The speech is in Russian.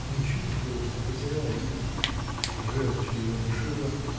Он чувствовал, что потерял Лизу, Желчь его душила